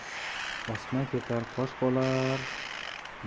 o'sma ketar qosh qolar